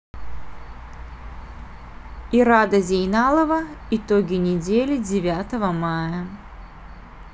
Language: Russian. ирада зейналова итоги недели девятого мая